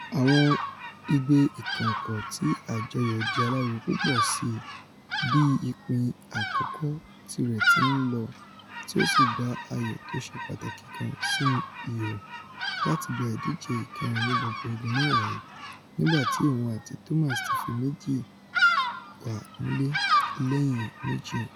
Àwọn igbe ìkọ̀ǹkọ̀ ti àjọyọ̀ di aláriwo púpọ̀ síi bí ìpín àkókò tirẹ̀ ti ńlọ, tí ó sì gbá ayò tóṣe pàtàkì kan sínú ihò láti gba ìdíje ìkẹrin ní gbogbo igun mẹ́rẹ̀ẹ̀rin nígbà tí òun àti Thomas ti fi méjì wà nílẹ̀ lẹ́yìn méjì.